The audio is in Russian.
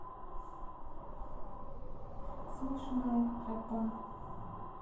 смешной тропа